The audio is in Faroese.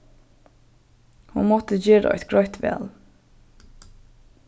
hon mátti gera eitt greitt val